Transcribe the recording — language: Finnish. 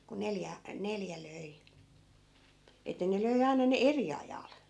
kun neljä neljä löi että ne löi aina ne eri ajalla